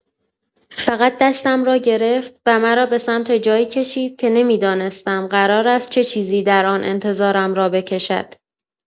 فقط دستم را گرفت و مرا به سمت جایی کشید که نمی‌دانستم قرار است چه چیزی در آن انتظارم را بکشد.